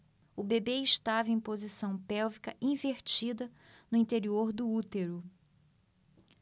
o bebê estava em posição pélvica invertida no interior do útero